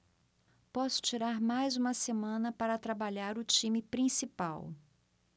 posso tirar mais uma semana para trabalhar o time principal